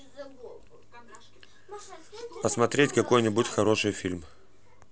посмотреть какой нибудь хороший фильм